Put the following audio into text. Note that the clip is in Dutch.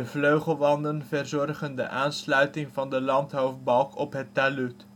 vleugelwanden verzorgen de aansluiting van de landhoofdbalk op het talud